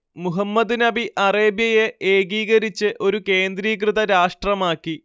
മുഹമ്മദ് നബി അറേബ്യയെ ഏകീകരിച്ച് ഒരു കേന്ദ്രീകൃത രാഷ്ട്രമാക്കി